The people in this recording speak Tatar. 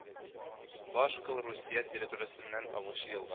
Баш-Кол Русия территориясеннән агучы елга